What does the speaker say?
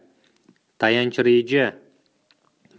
tayanch reja